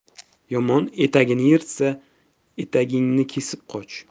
yomon etagingni yirtsa etagingni kesib qoch